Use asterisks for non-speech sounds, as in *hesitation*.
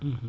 *hesitation* *hesitation*